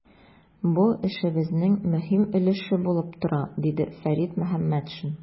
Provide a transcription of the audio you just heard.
Бу эшебезнең мөһим өлеше булып тора, - диде Фәрит Мөхәммәтшин.